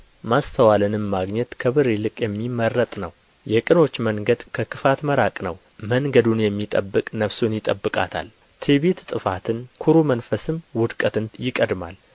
ማስተዋልንም ማግኘት ከብር ይልቅ የሚመረጥ ነው የቅኖች መንገድ ከክፋት መራቅ ነው መንገዱን የሚጠብቅ ነፍሱን ይጠብቃታል ትዕቢት ጥፋትን ኵሩ መንፈስም ውድቀትን ይቀድማል